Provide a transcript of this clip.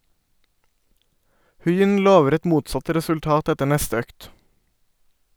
Huynh lover et motsatt resultat etter neste økt.